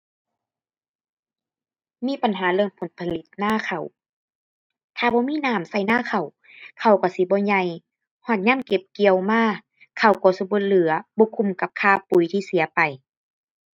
มีปัญหาเรื่องผลผลิตนาข้าว ถ้าบ่มีน้ำใส่นาข้าว ข้าวก็สิบ่ใหญ่ ฮอดยามเก็บเกี่ยวมาข้าวก็สิบ่เหลือ บ่คุ้มกับค่าปุ๋ยที่เสียไป